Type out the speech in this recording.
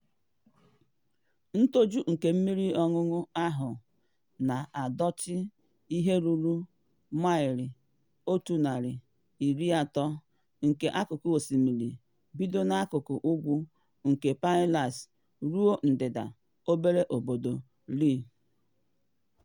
Ntoju nke Mmiri Anụnụ ahụ na adọtị ihe ruru maịlụ 130 nke akụkụ osimiri bido n’akụkụ ugwu nke Pinellas ruo ndịda obere obodo Lee.